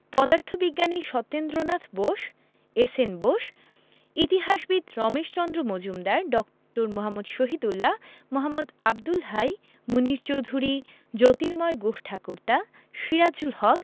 পদার্থবিজ্ঞানী Satyendranath Bose S N Bose ইতিহাসবিদ রমেশচন্দ্র মজুমদার ড. মুহাম্মদ শহীদুল্লাহ মোঃ আবদুল হাই মুনির চৌধুরী জ্যোতির্ময় গুহঠাকুরতা সিরাজুল হক